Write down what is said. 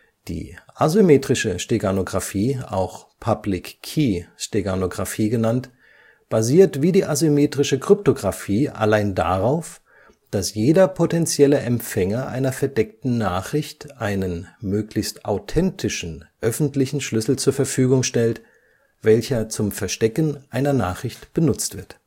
Die asymmetrische Steganographie (auch Public-Key-Steganographie) basiert - wie die asymmetrische Kryptographie - allein darauf, dass jeder potenzielle Empfänger einer verdeckten Nachricht einen (möglichst authentischen) öffentlichen Schlüssel zur Verfügung stellt, welcher zum Verstecken einer Nachricht benutzt wird